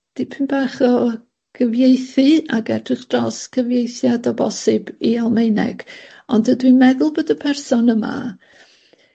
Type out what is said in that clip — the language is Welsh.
dipyn bach o gyfieithu ac edrych dros cyfieithiad o bosib i Almaeneg ond dy- dwi'n meddwl bod y person yma